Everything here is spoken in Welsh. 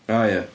O ia.